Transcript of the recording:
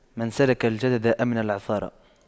من سلك الجدد أمن العثار